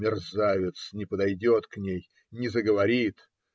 мерзавец не подойдет к ней, не заговорит.